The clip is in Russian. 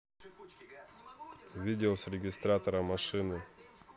видео с регистратора машины